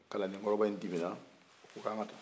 kalandenkɔrɔba in dimina o ko an ka taa